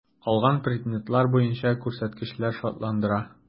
Калган предметлар буенча күрсәткечләр шатландыра.